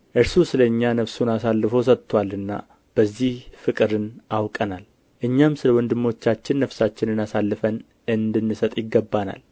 እርሱ ስለ እኛ ነፍሱን አሳልፎ ሰጥቶአልና በዚህ ፍቅርን አውቀናል እኛም ስለ ወንድሞቻችን ነፍሳችንን አሳልፈን እንድንሰጥ ይገባናል